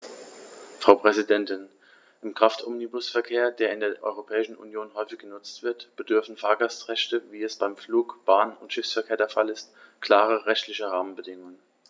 Frau Präsidentin, im Kraftomnibusverkehr, der in der Europäischen Union häufig genutzt wird, bedürfen Fahrgastrechte, wie es beim Flug-, Bahn- und Schiffsverkehr der Fall ist, klarer rechtlicher Rahmenbedingungen.